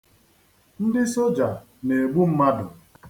Ndị soja na-egbu mmadụ.